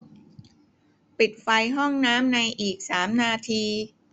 ปิดไฟห้องน้ำในอีกสามนาที